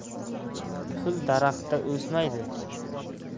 pul daraxtda o'smaydi